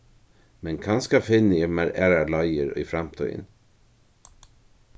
men kanska finni eg mær aðrar leiðir í framtíðini